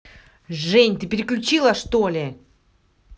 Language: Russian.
жень ты переключила что ли